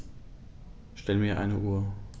Stell mir eine Uhr.